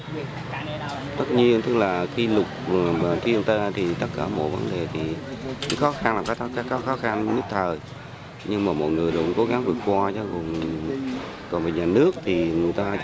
mình tất nhiên là khi lục thì tất cả mọi vấn đề lý khó khăn lại càng khó khăn nhất thời nhưng mà mọi người luôn cố gắng vượt qua những hùng binh nhà nước thì